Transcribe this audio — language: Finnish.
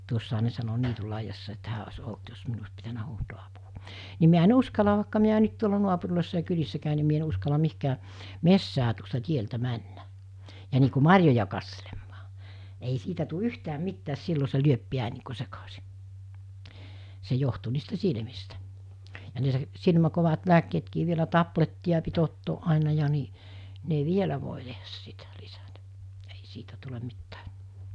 tuossahan ne sanoi niityn laidassa että hän olisi ollut jos minun olisi pitänyt huutaa apua niin minä en uskalla vaikka minä nyt tuolla naapureissa ja kylissä käyn niin minä en uskalla mihinkään metsään tuosta tieltä mennä ja niin kuin marjoja katselemaan ei siitä tule yhtään mitään silloin se lyö pian niin kuin sekaisin se johtui niistä silmistä ja ne -- kovat lääkkeetkin vielä tablettia piti ottaa aina ja niin ne vielä voi tehdä sitä lisätä ei siitä tule mitään